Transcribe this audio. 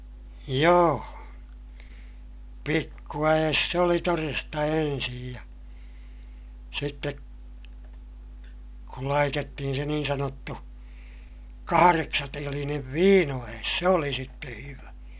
joo pikkuäes se oli todesta ensin ja sitten kun laitettiin se niin sanottu kahdeksantelinen viinoäes se oli sitten hyvä